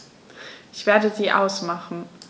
Ich werde sie ausmachen.